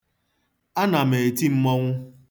Ana m eti mmọnwụ.